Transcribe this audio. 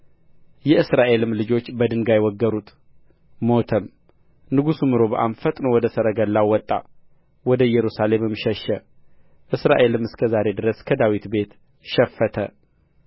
የእስራኤልም ልጆች በድንጋይ ወገሩት ሞተም ንጉሡም ሮብዓም ፈጥኖ ወደ ሰረገላው ወጣ ወደ ኢየሩሳሌምም ሸሸ እስራኤልም እስከ ዛሬ ድረስ ከዳዊት ቤት ሸፈተ